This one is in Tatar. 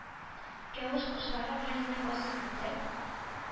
Кәвеш башлары белән генә басып үтеп,